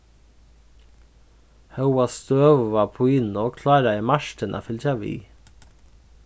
hóast støðuga pínu kláraði martin at fylgja við